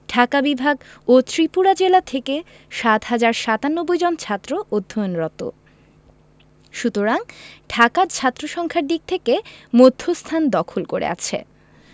ঢাকা বিভাগ ও ত্রিপুরা জেলা থেকে ৭ হাজার ৯৭ জন ছাত্র অধ্যয়নরত সুতরাং ঢাকা ছাত্রসংখ্যার দিক থেকে মধ্যস্থান দখল করে আছে